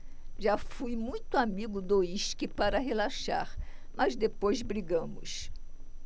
já fui muito amigo do uísque para relaxar mas depois brigamos